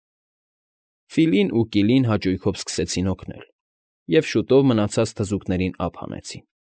Ֆիլին ու Կիլին հաճույքով սկսեցին օգնել, և շուտով մնացած թզուկներին ափ հանեցին։